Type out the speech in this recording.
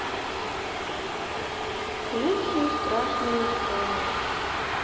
лучшие страшные истории